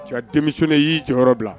Ka denmisɛnnin y'i jɔyɔrɔ bila